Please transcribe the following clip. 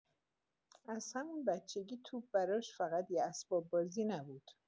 از همون بچگی توپ براش فقط یه اسباب‌بازی نبود؛